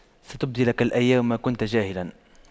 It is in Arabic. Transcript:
ستبدي لك الأيام ما كنت جاهلا